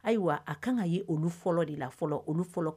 Ayiwa a kan ka ye olu fɔlɔ de la fɔlɔ olu fɔlɔ